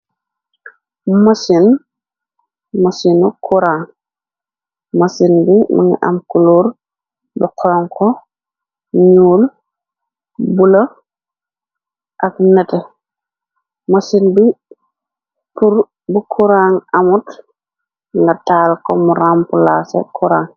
Mësin mësinu kurang. Masin bi mënga am kuluor bu xoron ko ñuul bulë ak nete. Masin bi rbu kurang amut na taal ko mu ramp lase kurang.